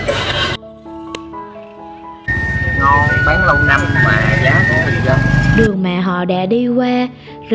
ngon bán lâu năm mà giá cũng bình dân những nẻo đường mà họ đã đi qua